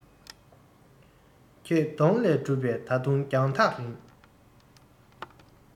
ཁྱེད གདོང ལས གྲུབ པའི ད དུང རྒྱང ཐག རིང